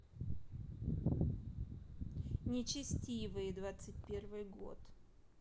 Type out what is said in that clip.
нечестивые двадцать первый год